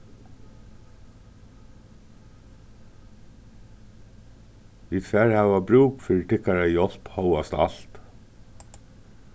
vit fara at hava brúk fyri tykkara hjálp hóast alt